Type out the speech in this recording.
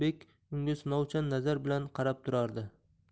yoqubbek unga sinovchan nazar bilan qarab turardi